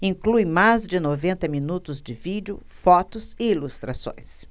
inclui mais de noventa minutos de vídeo fotos e ilustrações